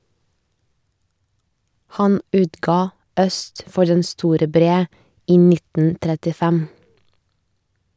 Han utga "Øst for den store bre" i 1935.